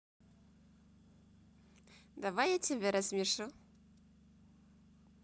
давай я тебя рассмешу